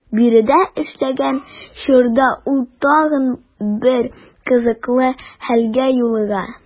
Биредә эшләгән чорда ул тагын бер кызыклы хәлгә юлыга.